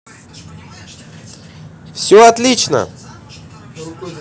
все отлично